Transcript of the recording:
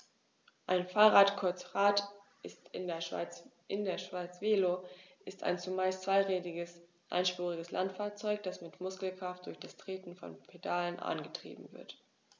Ein Fahrrad, kurz Rad, in der Schweiz Velo, ist ein zumeist zweirädriges einspuriges Landfahrzeug, das mit Muskelkraft durch das Treten von Pedalen angetrieben wird.